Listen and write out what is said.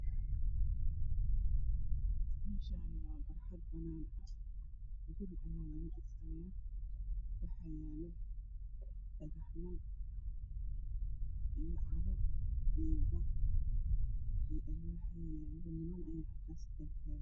Meeshaan waa meel banaan ah guri ayaa lagadhisaaya waxaa yaala dhagax, carro iyo bac. Niman ayaa agtaag taagan.